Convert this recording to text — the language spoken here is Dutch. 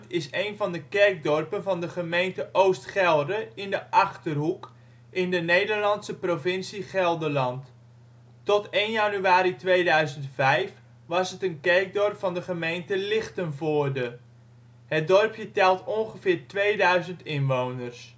is een van de kerkdorpen van de gemeente Oost Gelre in de Achterhoek, in de Nederlandse provincie Gelderland. Tot 1 januari 2005 was het een kerkdorp van de gemeente Lichtenvoorde. Het dorpje telt ongeveer 2000 inwoners